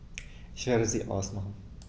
Ich werde sie ausmachen.